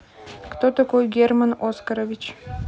кто такой герман оскарович